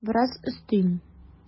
Бераз өстим.